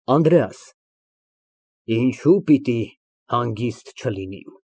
ԱՆԴՐԵԱՍ ֊ Ինչո՞ւ չպիտի հանգիստ լինեմ։